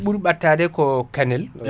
ɓuri ɓattade ko Kanel